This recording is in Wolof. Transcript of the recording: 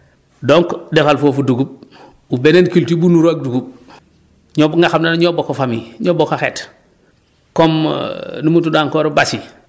donc defal foofu dugub ou beneen cultuire bu niróo ak dugub ñoo nga xam ne nag ñoo bokk famille ñoo bokk xeet comme nu mu tudd encore basi